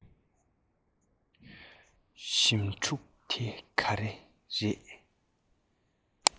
ཞི ཕྲུག དེ གང དེ རེད